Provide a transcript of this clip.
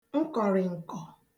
ǹkọ̀rị̀ǹkọ̀